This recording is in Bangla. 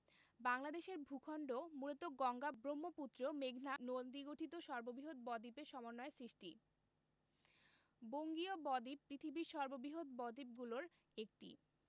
বাংলাদেশের ভূখন্ড মূলত গঙ্গা ব্রহ্মপুত্র মেঘনা নদীগঠিত সুবৃহৎ বদ্বীপের সমন্বয়ে সৃষ্ট বঙ্গীয় বদ্বীপ পৃথিবীর সর্ববৃহৎ বদ্বীপগুলোর একটি